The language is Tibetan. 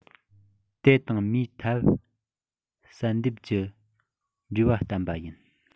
དེ དང མིའི ཐབས བསལ འདེམས གྱི འབྲེལ བ བསྟན པ ཡིན